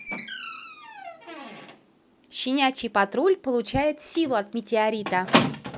щенячий патруль получает силу от метеорита